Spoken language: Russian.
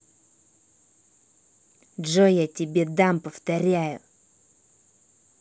джой я тебе дам повторяю